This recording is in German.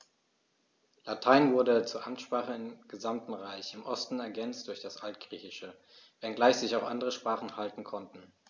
Latein wurde zur Amtssprache im gesamten Reich (im Osten ergänzt durch das Altgriechische), wenngleich sich auch andere Sprachen halten konnten.